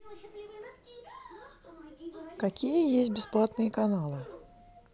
какие есть бесплатные каналы